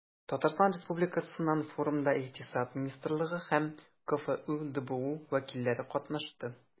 Татарстан Республикасыннан форумда Икътисад министрлыгы һәм КФҮ ДБУ вәкилләре катнашты.